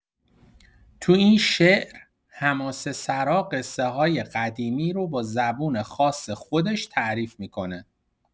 تو این شعر، حماسه‌سرا قصه‌های قدیمی رو با زبون خاص خودش تعریف می‌کنه.